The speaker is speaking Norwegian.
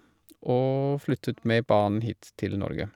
Og flyttet med barn hit til Norge.